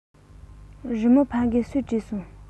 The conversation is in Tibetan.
རི མོ ཕ གི སུས བྲིས སོང